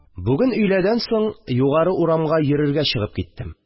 Бүген өйләдән соң югары урамга йөрергә чыгып киттем